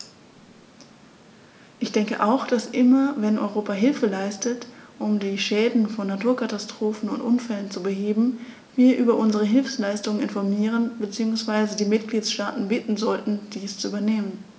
Ich denke auch, dass immer wenn Europa Hilfe leistet, um die Schäden von Naturkatastrophen oder Unfällen zu beheben, wir über unsere Hilfsleistungen informieren bzw. die Mitgliedstaaten bitten sollten, dies zu übernehmen.